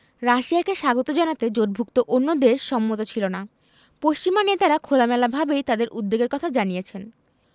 রাশিয়াকে স্বাগত জানাতে জোটভুক্ত অন্য দেশ সম্মত ছিল না পশ্চিমা নেতারা খোলামেলাভাবেই তাঁদের উদ্বেগের কথা জানিয়েছেন